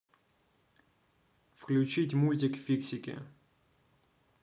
включить мультик фиксики